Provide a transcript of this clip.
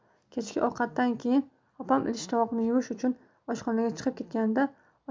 kechki ovqatdan keyin opam idish tovoqni yuvish uchun oshxonaga chiqib ketganida